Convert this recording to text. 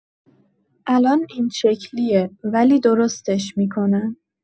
الان این شکلیه، ولی درستش می‌کنم.